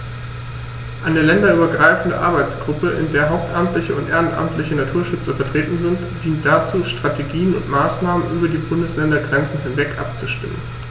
Eine länderübergreifende Arbeitsgruppe, in der hauptamtliche und ehrenamtliche Naturschützer vertreten sind, dient dazu, Strategien und Maßnahmen über die Bundesländergrenzen hinweg abzustimmen.